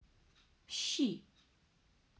в щи